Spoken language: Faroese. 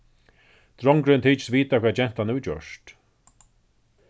drongurin tykist vita hvat gentan hevur gjørt